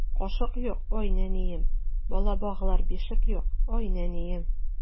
Кашык юк, ай нәнием, Бала баглар бишек юк, ай нәнием.